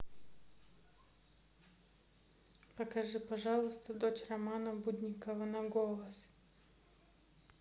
покажи пожалуйста дочь романа будникова на голос